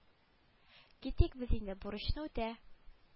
Китик без инде бурычны үтә